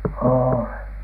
olen